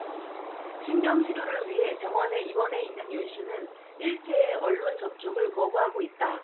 신병 치료를 위해 병원에 입원해 있는 윤씨는 일체의 언론 접촉을 거부하고 있다